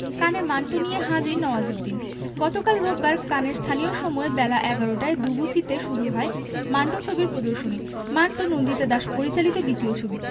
কানে মান্টো নিয়ে হাজির নওয়াজুদ্দিন গতকাল রোববার কানের স্থানীয় সময় বেলা ১১টায় দুবুসিতে শুরু হয় মান্টো ছবির প্রদর্শনী মান্টো নন্দিতা দাস পরিচালিত দ্বিতীয় ছবি